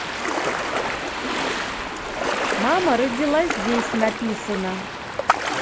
мама родила здесь написано